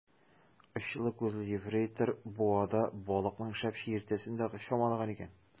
Очлы күзле ефрейтор буада балыкның шәп чиертәсен дә чамалаган икән.